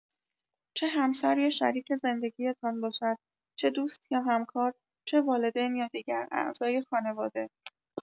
چه همسر یا شریک زندگی‌تان باشد، چه دوست یا همکار، چه والدین یا دیگر اعضای خانواده